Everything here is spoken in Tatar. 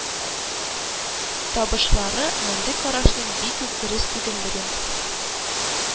Табышлары мондый карашның бик үк дөрес түгеллеген